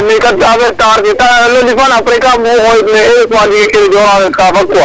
Mi kat affaire taxar ke lundi faana aprés kaam bug xoyit me mais heureusement crédit es ka fag quoi